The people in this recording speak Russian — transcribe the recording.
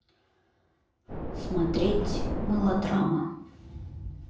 смотреть мылодрама